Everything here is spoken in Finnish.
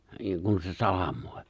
- kun se salamoi